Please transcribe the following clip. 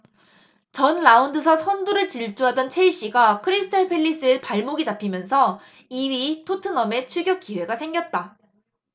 전 라운드서 선두를 질주하던 첼시가 크리스탈 팰리스에 발목을 잡히면서 이 위 토트넘에 추격 기회가 생겼다